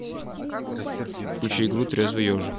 включи игру трезвый ежик